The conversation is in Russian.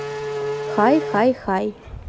хай хай хай